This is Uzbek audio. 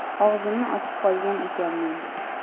og'zimni ochib qolgan ekanman